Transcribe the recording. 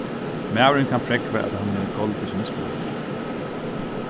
maðurin kann prógva at hann hevur goldið sína skuld